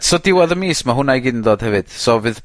So diwedd y mis ma' hwnna i gyd yn dod. So fydd...